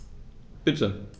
Bitte.